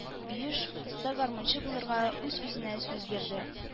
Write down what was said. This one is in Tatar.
Биюш оста гармунчы булырга үз-үзенә сүз бирде